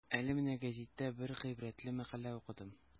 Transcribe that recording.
Әле менә гәзиттә бер гыйбрәтле мәкалә укыдым.